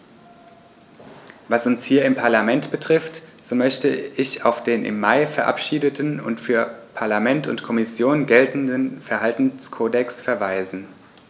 Was uns hier im Parlament betrifft, so möchte ich auf den im Mai verabschiedeten und für Parlament und Kommission geltenden Verhaltenskodex verweisen.